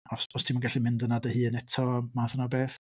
Os os ti'm yn gallu mynd yna dy hun eto, math yna o beth.